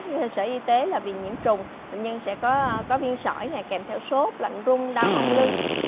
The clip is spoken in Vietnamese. cơ sở y tế là vì nhiễm trùng bệnh nhân sẽ có có viên sỏi này kèm theo sốt lạnh run đau hông lưng